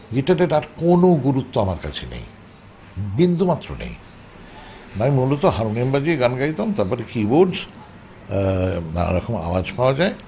গিটারের আর কোনো গুরুত্ব আমার কাছে নেই বিন্দুমাত্র নেই আমি মূলত হারমোনিয়াম বাজিয়ে গান গাইতাম তারপরে কিবোর্ডস নানা রকম আওয়াজ পাওয়া যায়